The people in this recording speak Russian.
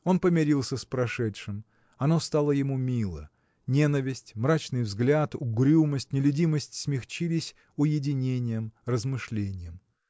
Он помирился с прошедшим: оно стало ему мило. Ненависть мрачный взгляд угрюмость нелюдимость смягчились уединением размышлением.